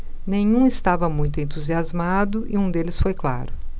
nenhum estava muito entusiasmado e um deles foi claro